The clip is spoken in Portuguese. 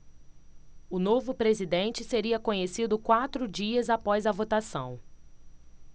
o novo presidente seria conhecido quatro dias após a votação